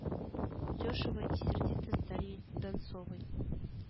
Дешево и сердито с дарьей донцовой